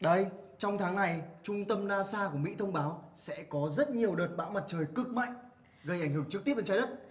đây trong tháng này trung tâm nasa của mỹ thông báo sẽ có rất nhiều đợt bão mặt trời cực mạnh gây ảnh hưởng trực tiếp đến trái đất